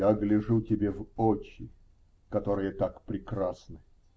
-- Я гляжу тебе в очи, которые так прекрасны.